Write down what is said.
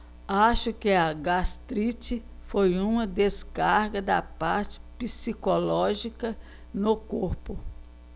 acho que a gastrite foi uma descarga da parte psicológica no corpo